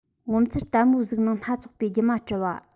ངོ མཚར ལྟད མོའི གཟུགས སྣང སྣ ཚོགས པའི སྒྱུ མ སྤྲུལ བ